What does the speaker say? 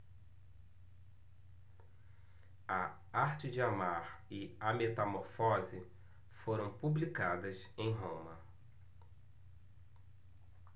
a arte de amar e a metamorfose foram publicadas em roma